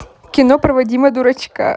кино про вадима дурачка